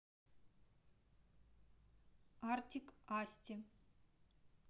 артик асти